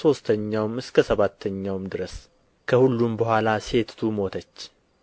ሦስተኛውም እስከ ሰባተኛው ድረስ ከሁሉም በኋላ ሴቲቱ ሞተች